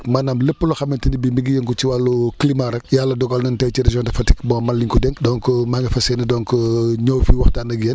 maanaam lépp loo xamante ni bii mi ngi yëngu ci wàllu climat rek yàlla dogal na tey ci région de Fatick bon man la ñu ko dénk donc maa ngi fas yéene donc ñëw fii waxtaan ak yéen